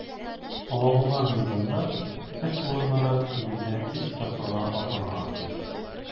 "алабуга" мизында эш урыннары кимендә өч тапкырга артарга тиеш.